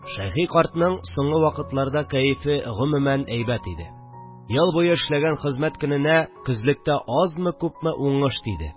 Шәйхи картның соңгы вакытларда кәефе гомумән әйбәт иде: ел буе эшләгән хезмәт көненә көзлектә азмы-күпме уңыш тиде